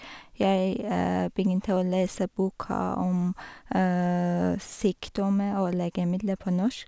Jeg begynte å lese boka om sykdommer og legemidler på norsk.